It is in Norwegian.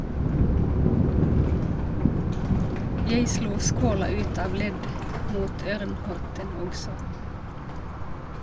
- Jeg slo skåla ut av ledd mot Ørn-Horten også.